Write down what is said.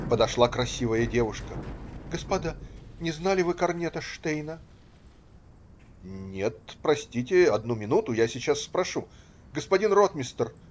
Подошла красивая девушка: "Господа, не знали вы корнета Штейна?" - "Ннет, простите, одну минуту, я сейчас спрошу. Господин ротмистр!